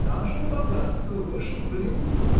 нажил богатство, вышел в люди.